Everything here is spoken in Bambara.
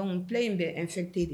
Dɔnku pe in bɛ an fɛ tɛ de ye